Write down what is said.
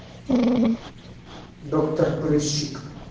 доктор прыщик